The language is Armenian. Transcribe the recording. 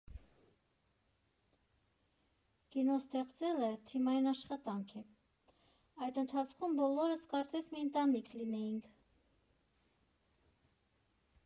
Կինո ստեղծելը թիմային աշխատանք է, այդ ընթացքում բոլորս կարծես մի ընտանիք լինեինք։